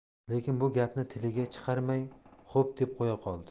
lekin bu gapni tiliga chiqarmay xo'p deb qo'ya qoldi